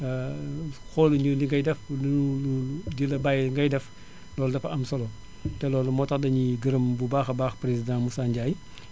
xooluñu li ngay def ludul di la bàyyi di la bàyyi ngay def loolu dafa am solo te loolu moo tax dañuy gërëm bu baax a baax président Moussa Ndiaye